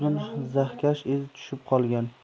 uzun zahkash iz tushib qolgan